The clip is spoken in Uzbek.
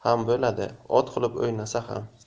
bo'ladi ot qilib o'ynasa ham